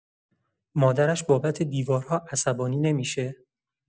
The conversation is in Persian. مادرش بابت دیوارها عصبانی نمی‌شه؟